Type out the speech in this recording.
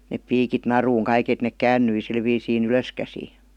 ne piikit naruun kaikki että ne kääntyi sillä viisiin ylöskäsin